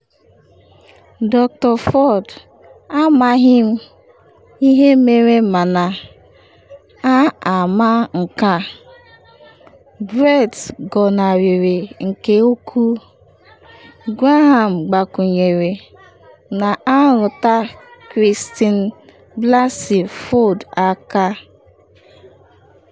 “Dr. Ford, Amaghị m ihe mere mana a ama m nke a: Brett gọnarịrị nke ukwuu,” Graham gbakwunyere, na-arụta Christine Blasey Ford aka.